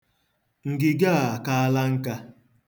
Ngige a akaala nka.